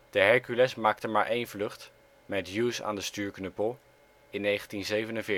De Hercules maakte maar één vlucht (met Hughes aan de stuurknuppel) in 1947. Het